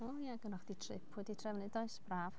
O ia gynnoch chdi trip wedi trefnu does, braf.